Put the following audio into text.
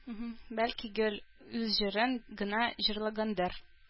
Бәлки, гел үз җырын гына җырлагандыр